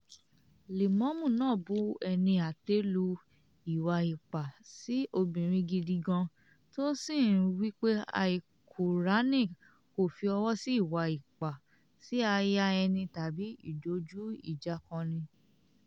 Lèmọ́mù náà bú ẹnu àtẹ́ lu ìwà ipa sí obìnrin gidi gan, tí ó sì ń wí pé Àlìkùránì kò fi ọwọ́ sí ìwà ipá sí aya ẹni tàbí ìdojú-ìjàkọni.